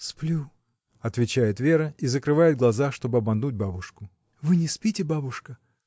— Сплю, — отвечает Вера и закрывает глаза, чтоб обмануть бабушку. — Вы не спите, бабушка?